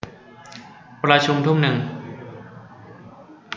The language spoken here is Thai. ประชุมทุ่มนึง